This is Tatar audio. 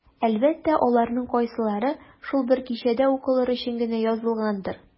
Әлбәттә, аларның кайсылары шул бер кичәдә укыр өчен генә язылгандыр.